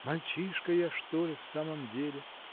) "Мальчишка я, что ли, в самом деле?